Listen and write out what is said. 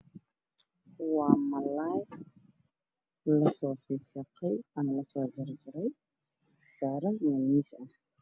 Waa malaay la soo fiiqfiiqay ama lasoo jarjaray saaran meel miis ah